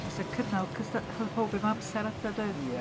Fysa cynnal cysta-... achos oedd pawb efo amser adre doedd? Ia.